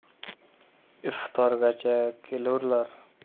iftorgacha kelurlar